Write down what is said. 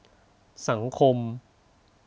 สังคม